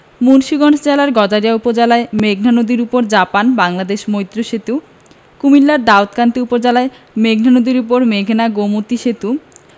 মুন্সিগঞ্জ জেলার গজারিয়া উপজেলায় মেঘনা নদীর উপর জাপান বাংলাদেশ মৈত্রী সেতু কুমিল্লার দাউদকান্দি উপজেলায় মেঘনা নদীর উপর মেঘনা গোমতী সেতু